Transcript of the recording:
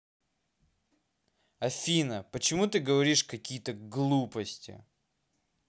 афина почему ты говоришь какие то глупости